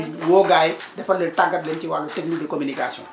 di woo gars yi defal leen tàggat leen ci wàllu technique de communication